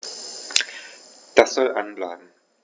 Das soll an bleiben.